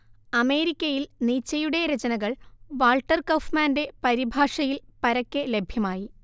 അമേരിക്കയിൽ നീച്ചയുടെ രചനകൾ വാൾട്ടർ കൗഫ്മാന്റെ പരിഭാഷയിൽ പരക്കെ ലഭ്യമായി